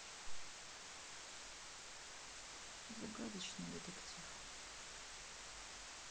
загадочный детектив